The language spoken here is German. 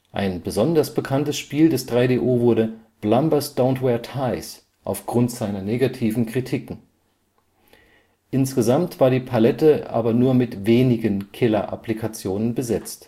Ein besonders bekanntes Spiel des 3DO wurde Plumbers Don’ t Wear Ties auf Grund seiner negativen Kritiken. Insgesamt war die Palette aber nur mit wenigen Killer-Applikationen besetzt